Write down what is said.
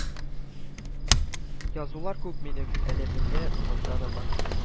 Язулар күп минем, әле менә монда да бар